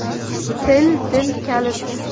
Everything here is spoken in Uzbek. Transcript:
til dil kaliti